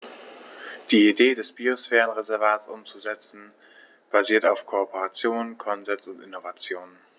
Die Idee des Biosphärenreservates umzusetzen, basiert auf Kooperation, Konsens und Innovation.